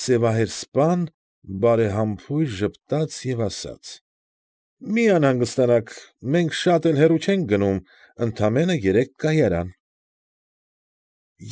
Սևահեր սպան բարեհամբույր ժպտաց և ասաց։ ֊ Մի անհանգստացեք, մենք շատ էլ հեռու չենք գնում. ընդամենը երեք կայարան։